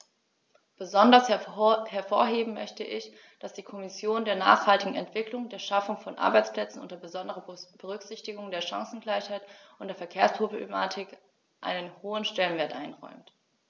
Besonders hervorheben möchte ich, dass die Kommission der nachhaltigen Entwicklung, der Schaffung von Arbeitsplätzen unter besonderer Berücksichtigung der Chancengleichheit und der Verkehrsproblematik einen hohen Stellenwert einräumt.